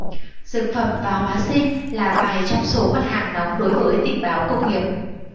dược phẩm và hóa sinh là vài trong số mặt hàng nóng đối với tình báo công nghiệp